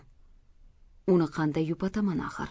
uni qanday yupataman axir